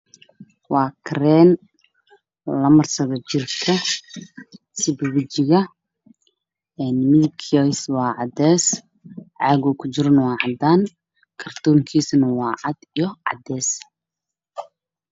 Waa caagid waxay ku jira kareen midabkiisa yahay gaalo miis cabaan ay saaraan